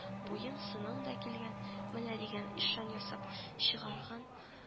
Буең-сының да килгән – менә дигән ишан ясап чыгарган